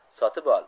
sotib ol